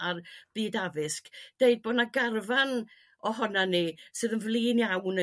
ar byd addysg deud bo 'na garfan ohonan ni sydd yn flin iawn